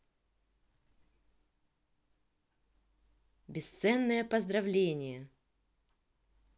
бесценное поздравление